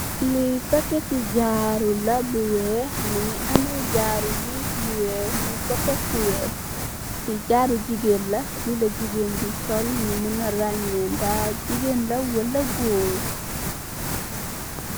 Le packeti jaaru la bu weex mongi am wiss yu weex nyun ko tek fu weex li jaaru jigeen la li la jigeen di sol nyu muna ragen da jigeen la wala goor.